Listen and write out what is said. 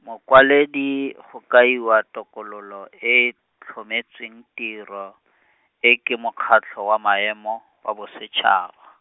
mokwaledi, go kaiwa tokololo e e tlhometsweng tiro, e ke Mokgatlho wa maemo, wa Bosetšhaba.